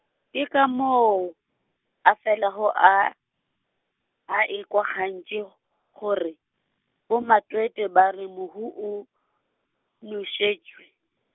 ke ka moo, a felago a, a ekwa gantši gore, bomatwetwe ba re mohu o, nošetšwe.